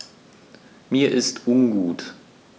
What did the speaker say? Mir ist ungut.